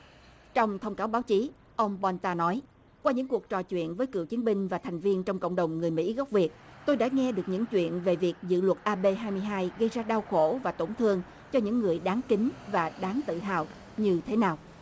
trong thông cáo báo chí ông bon ta nói qua những cuộc trò chuyện với cựu chiến binh và thành viên trong cộng đồng người mỹ gốc việt tôi đã nghe được những chuyện về việc dự luật a bê hai mươi hai gây ra đau khổ và tổn thương cho những người đáng kính và đáng tự hào như thế nào